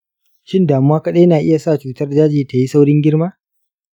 shin damuwa kaɗai na iya sa cutar daji ta yi saurin girma?